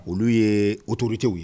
Olu ye autorités ye